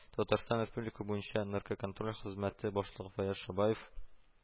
Татарстан Республика буенча наркоконтроль хезмәте башлыгы Фаяз Шабаев